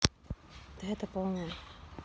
ты это полное